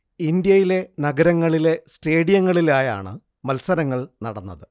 ഇന്ത്യയിലെ നഗരങ്ങളിലെ സ്റ്റേഡിയങ്ങളിലായാണ് മത്സരങ്ങൾ നടന്നത്